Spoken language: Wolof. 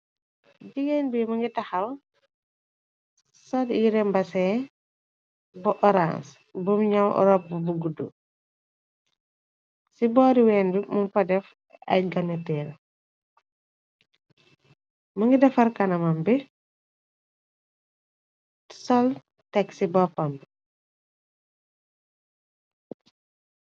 Jigeen bi mu ngi taxaw sol yirembasee bu orange. Bum ñaw rop b bu guddu ci boori ween bi mu pa def ay ganuteer. Mu ngi defar kanamam bi sol teg ci boppam bi.